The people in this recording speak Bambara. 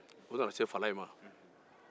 u nana se fala in ma